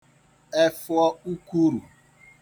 efụ̀ọ ukwurù